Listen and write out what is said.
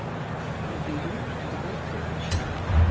убери два капучино